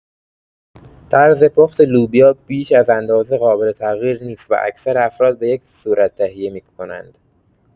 طرز پخت لوبیا بیش از اندازه قابل‌تغییر نیست و اکثر افراد به یک صورت تهیه می‌کنند.